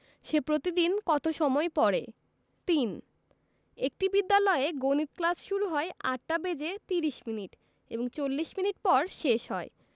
সে প্রতিদিন কত সময় পড়ে ৩ একটি বিদ্যালয়ে গণিত ক্লাস শুরু হয় ৮টা বেজে ৩০ মিনিট এবং ৪০ মিনিট পর শেষ হয়